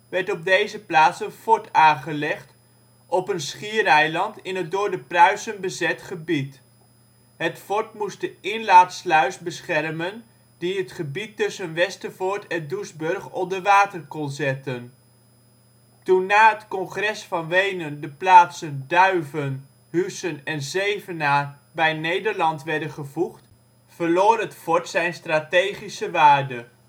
werd op deze plaats een fort aangelegd, op een schiereiland in het door de Pruisen bezet gebied. Het fort moest de inlaatsluis beschermen die het gebied tussen Westervoort en Doesburg onder water kon zetten. Toen na het Congres van Wenen de plaatsen Duiven, Huissen en Zevenaar bij Nederland werden gevoegd verloor het fort zijn strategische waarde